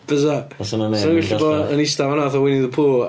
Bysa 'sen nhw'n gallu bod yn ista fan'na fatha Winnie the Pooh?